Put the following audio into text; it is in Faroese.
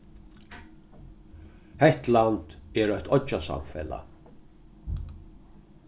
hetland er eitt oyggjasamfelag